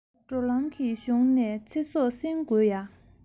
འགྲོ ལམ གྱི གཞུང ནས ཚེ སྲོག བསྲིངས དགོས ཡ